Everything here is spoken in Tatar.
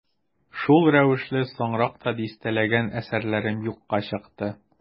Шул рәвешле соңрак та дистәләгән әсәрләрем юкка чыкты.